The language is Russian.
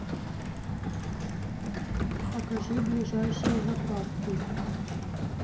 покажи ближайшие заправки